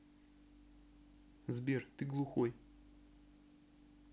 сбер ты глухой